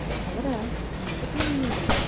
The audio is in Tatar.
Кара, ничек ләңгелди!